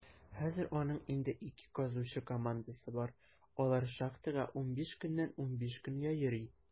Хәзер аның инде ике казучы командасы бар; алар шахтага 15 көннән 15 көнгә йөри.